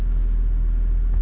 включи включи включи